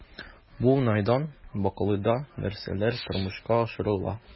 Бу уңайдан Бакалыда нәрсәләр тормышка ашырыла?